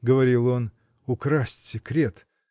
— говорил он, — украсть секрет.